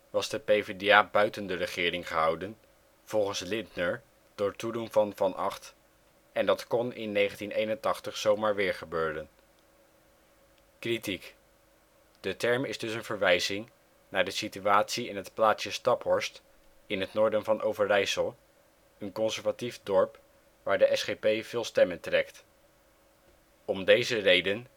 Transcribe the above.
was de PvdA buiten de regering gehouden, volgens Lindner door toedoen van Van Agt, en dat kon in 1981 zomaar weer gebeuren. De term is dus een verwijzing naar de situatie in het plaatsje Staphorst (in het noorden van Overijssel), een conservatief dorp waar de SGP veel stemmen trekt. Om deze reden